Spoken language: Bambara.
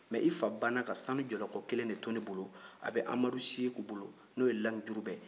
mɛ i fa banna ka sanu jɔlɔkɔ kelen de to ne bolo a bɛ amadu seku bolo n'o ye lamijurubɛ